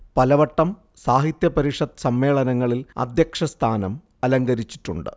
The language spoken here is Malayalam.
പലവട്ടം സാഹിത്യ പരിഷത്ത് സമ്മേളനങ്ങളിൽ അധ്യക്ഷസ്ഥാനം അലങ്കരിച്ചിട്ടുണ്ട്